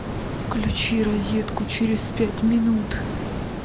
включи розетку через пять минут